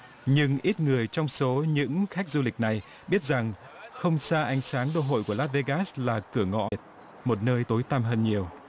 nhưng ít người trong số những khách du lịch này biết rằng không xa ánh sáng đô hội của lát vê gát là cửa ngõ một nơi tối tăm hơn nhiều